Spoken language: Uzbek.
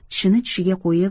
tishini tishiga qo'yib